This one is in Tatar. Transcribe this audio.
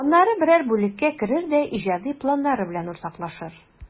Аннары берәр бүлеккә керер дә иҗади планнары белән уртаклашыр.